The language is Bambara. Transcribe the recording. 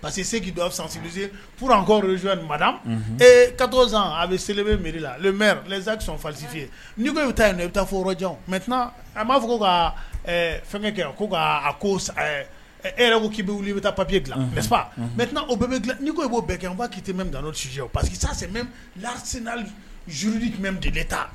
Parce que segin don a sansekɔz mada ka zan a bɛ seli bɛ miiri la z sɔn fasi ye bɛ taa i bɛ taa fɔ yɔrɔjan mɛ b'a fɔ ko ka fɛn kɛ ko ko e yɛrɛ k'i bɛ wuli i bɛ taa papiye dilanfa mɛ o ko b'o bɛn kɛ''i minsi parce lasiina zurudi tun bɛ d ne ta